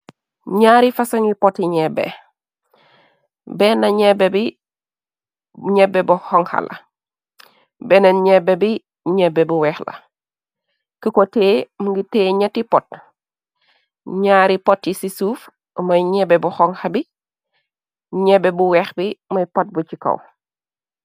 ñaari fasa ngi poti ñebbe benna ñebbe bi ñebbe bu xonxala benneen ñebbe bi ñebbe bu weex la këko tee mungi tee ñetti pot ñaari pot yi ci suuf moy ñebbe bu xoŋxa bi ñebbe bu weex bi moy pot bu ci kaw